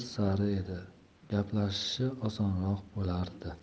sari edi gaplashishi osonroq bo'lardi